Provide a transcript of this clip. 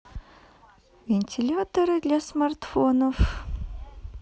вентиляторы для смартфонов